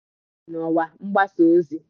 “Ọ bịara pụtakwuo ìhè n'ọwa mgbasa ozi.